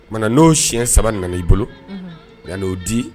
O tuma na n'o siɲɛ saba nan'i bolo. Unhun. K'a n'o di